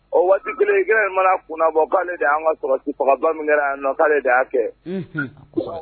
O waati kelen g in mana kunnabɔ k'ale de an ka sɔrɔti pa bamanan kɛra yan nɔ de y'a kɛ